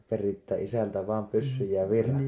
peritte isältä vain pyssyn ja viran